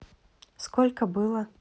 сколько было